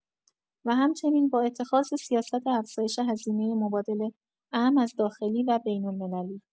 و هم‌چنین با اتخاذ سیاست افزایش هزینۀ مبادله، اعم از داخلی و بین‌المللی